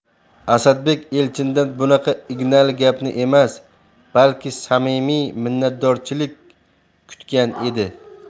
asadbek elchindan bunaqa ignali gapni emas balki samimiy minnatdorchilik kutgan edi